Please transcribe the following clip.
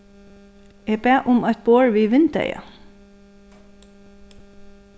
eg bað um eitt borð við vindeygað